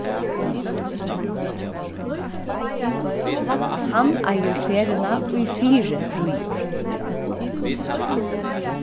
hann eigur ferðina ið fyri ríður